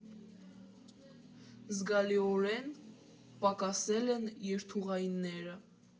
Զգալիորեն պակասել են երթուղայինները։